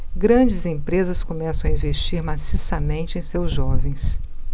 grandes empresas começam a investir maciçamente em seus jovens